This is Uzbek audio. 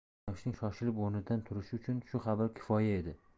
jamshidning shoshilib o'rnidan turishi uchun shu xabar kifoya edi